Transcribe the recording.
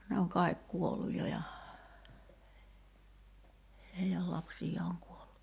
ne on kaikki kuollut jo ja heidän lapsiaan on kuollut